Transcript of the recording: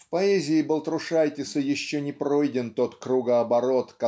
В поэзии Балтрушайтиса еще не пройден тот кругооборот